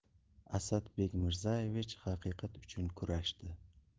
asad bekmirzaevich haqiqat uchun kurashdi